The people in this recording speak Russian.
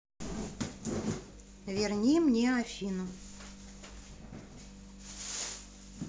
верни мне афину